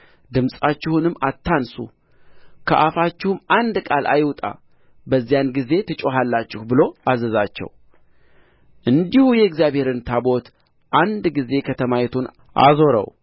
ድምፃችሁንም አታንሡ ከአፋችሁም አንድ ቃል አይውጣ በዚያን ጊዜ ትጮኻላችሁ ብሎ አዘዛቸው እንዲሁ የእግዚአብሔርን ታቦት አንድ ጊዜ ከተማይቱን አዞረው